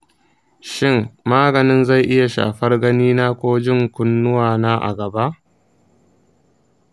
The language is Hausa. shin maganin zai iya shafar ganina ko jin kunnuwana a gaba?